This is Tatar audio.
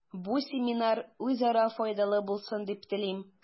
Бу семинар үзара файдалы булсын дип телим.